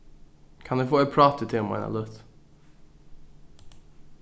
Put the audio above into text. kann eg fáa eitt prát við teg um eina løtu